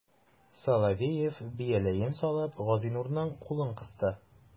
Соловеев, бияләен салып, Газинурның кулын кысты.